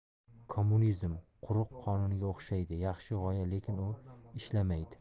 kommunizm quruq qonunga o'xshaydi yaxshi g'oya lekin u ishlamaydi